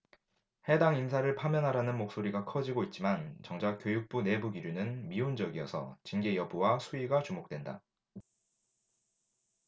해당 인사를 파면하라는 목소리가 커지고 있지만 정작 교육부 내부기류는 미온적이어서 징계 여부와 수위가 주목된다